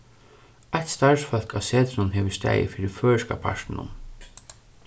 eitt starvsfólk á setrinum hevur staðið fyri føroyska partinum